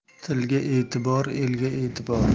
tilga e'tibor elga e'tibor